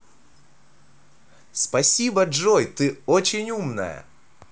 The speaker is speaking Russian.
спасибо джой ты очень умная